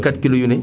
4 kilos yu ne